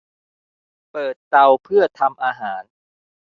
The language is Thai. เปิดเตาเพื่อทำอาหาร